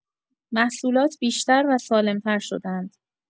محصولات بیشتر و سالم‌تر شدند.